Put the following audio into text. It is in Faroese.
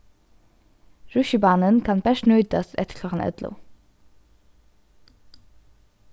russjibanin kann bert nýtast eftir klokkan ellivu